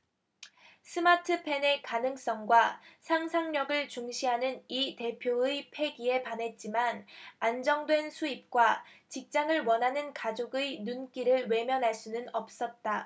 스마트펜의 가능성과 상상력을 중시하는 이 대표의 패기에 반했지만 안정된 수입과 직장을 원하는 가족의 눈길을 외면할 수는 없었다